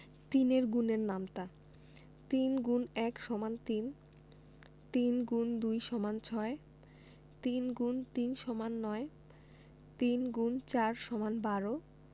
৩ এর গুণের নামতা ৩ X ১ = ৩ ৩ X ২ = ৬ ৩ × ৩ = ৯ ৩ X ৪ = ১২